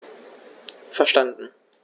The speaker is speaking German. Verstanden.